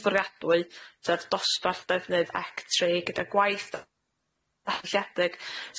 fforiadwy sef dosbarth ddefnydd ec tri gyda gwaith datblygiedig